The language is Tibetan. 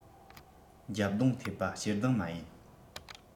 འཇབ རྡུང ཐེབས པ ཞེ སྡང མ ཡིན